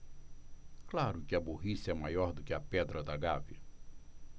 claro que a burrice é maior do que a pedra da gávea